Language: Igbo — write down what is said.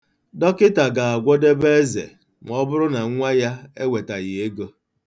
Dkt. ga-agwọdebe Eze ma ọ bụrụ na nwa ya ewetaghị ego.